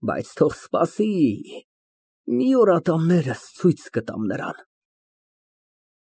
Բայց թող սպասի, մի օր ատամներս ցույց կտամ նրան։